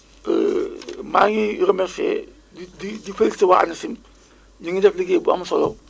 maa ngi remercié di di di félicité waa ANACIM énu ngi def liggéey bu am solo